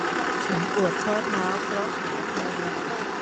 ฉันปวดข้อเท้าเพราะขาแพลง